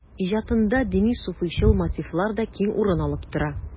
Иҗатында дини-суфыйчыл мотивлар да киң урын алып тора.